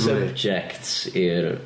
Subjects i'r...